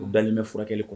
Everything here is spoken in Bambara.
U balimamɛ furakɛli kɔnɔ